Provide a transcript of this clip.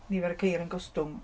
nifer y ceir yn gostwng...